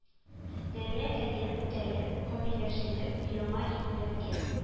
Дәрә әгә күтәреп, камилләштереп, яңа иңүләргә